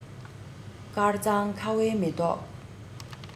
དཀར གཙང ཁ བའི མེ ཏོག